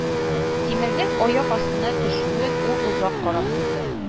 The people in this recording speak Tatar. Тимернең аяк астына төшүен ул озак карап торды